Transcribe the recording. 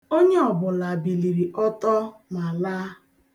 Mmadụ niile biliri ọtọ ma laa.